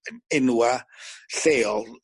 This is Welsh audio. en- enwa' lleol